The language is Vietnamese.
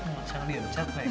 phải